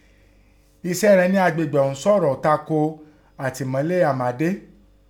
eṣẹ́ righọn ní agbègbè ọ̀ún sọ̀rọ̀ tako àtìmọ́lé Amade